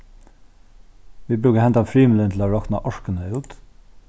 vit brúka hendan frymilin til at rokna orkuna út